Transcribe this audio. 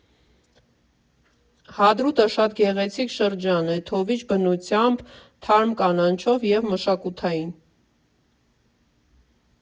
Հադրութը շատ գեղեցիկ շրջան է, թովիչ բնությամբ, թարմ կանաչով և մշակութային։